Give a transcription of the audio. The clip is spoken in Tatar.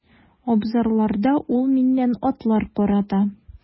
Абзарларда ул миннән атлар карата.